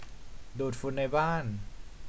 ดูดฝุ่นในบ้าน